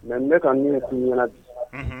Mɛ ne ka minɛ' ɲɛna bi